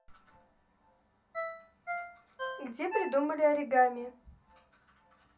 где придумали оригами